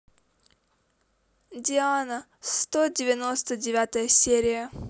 диана сто девяносто девятая серия